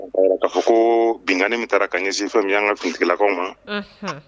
' fɔ ko biani min taara ka ɲɛsin fɛn bɛ' an ka tutigilakaw ma